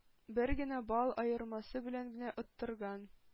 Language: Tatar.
Бер генә балл аермасы белән оттырган.